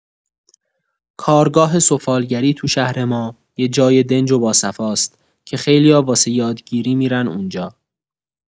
کارگاه سفالگری تو شهر ما یه جای دنج و با صفاست که خیلیا واسه یادگیری می‌رن اونجا.